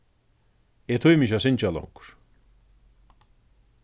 eg tími ikki at syngja longur